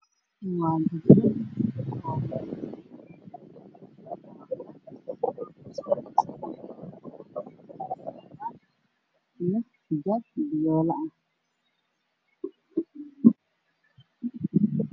Waxa ay muuqda gabdho taagan ay wataan xijaabo waxaa madaxa u suran koofi cadaan